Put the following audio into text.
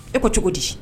E ko cogo di